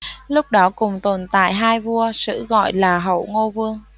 lúc đó cùng tồn tại hai vua sử gọi là hậu ngô vương